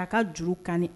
A ka juru kan